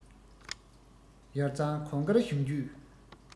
ཡར གཙང གོང དཀར གཞུང བརྒྱུད